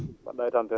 mba??a e tampere